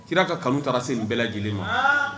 I kira ka kanu taara se bɛɛ lajɛlen ma